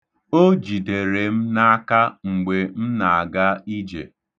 O jidere m n'aka mgbe m na-aga ije.